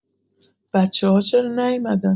بچه‌ها چرا نیومدن؟